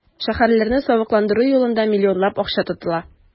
Шәһәрләрне савыкландыру юлында миллионлап акча тотыла.